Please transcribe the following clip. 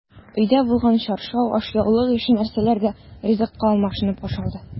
Өйдә булган чаршау, ашъяулык ише нәрсәләр дә ризыкка алмашынып ашалды.